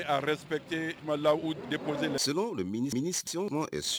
Spte ma la u depsi sen minisi sun